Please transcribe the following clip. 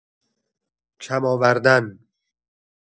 کم آوردن